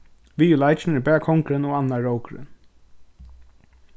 við í leikinum eru bara kongurin og annar rókurin